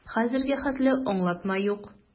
Хәзергә хәтле аңлатма юк.